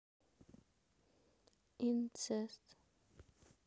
инцест